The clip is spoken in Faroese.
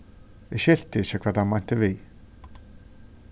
eg skilti ikki hvat hann meinti við